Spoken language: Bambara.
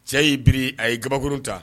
Cɛ y'i bi a y yei kabakuruurun ta